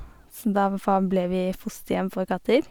Så da vafa ble vi fosterhjem for katter.